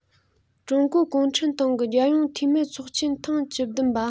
ཀྲུང གོའི གུང ཁྲན ཏང གི རྒྱལ ཡོངས འཐུས མིའི ཚོགས ཆེན ཐེངས བཅུ བདུན པ